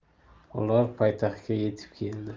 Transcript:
ular poytaxtga yetib keldi